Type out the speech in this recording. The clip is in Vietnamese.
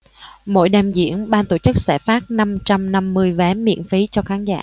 mỗi đêm diễn ban tổ chức sẽ phát năm trăm năm mươi vé miễn phí cho khán giả